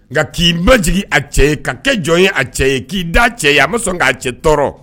Nka k'i majigin a cɛ ye ka kɛ jɔn ye a cɛ ye k'i da a cɛ ye a man sɔn k'a cɛ tɔɔrɔ.